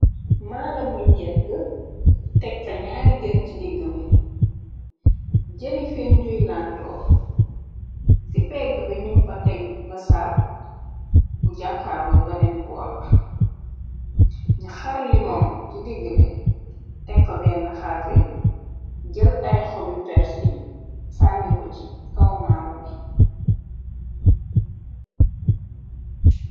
Maala muñ yekk , teg fa ñaari jën ci digg bi. Jëni fe njuy lantoo ci pegg ba num fa teg ba sap mu jàkkaarloo beneen boor ba , ñi xar limoŋg ci digg bi, teg fa benn xarbi jël ay xobi persi sandi ko ci kaw maalo mi.